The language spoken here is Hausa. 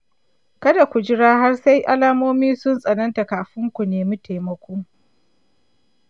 kada ku jira har sai alamomi sun tsananta kafin ku nemi taimako.